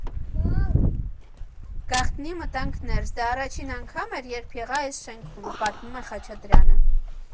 Գաղտնի մտանք ներս՝ դա առաջին անգամն էր, երբ եղա այս շենքում», ֊ պատմում է Խաչատրյանը։